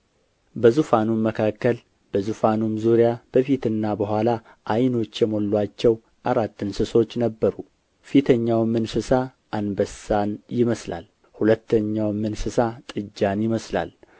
በዙፋኑም መካከል በዙፋኑም ዙሪያ በፊትና በኋላ ዓይኖች የሞሉአቸው አራት እንስሶች ነበሩ ፊተኛውም እንስሳ አንበሳን ይመስላል ሁለተኛውም እንስሳ ጥጃን ይመስላል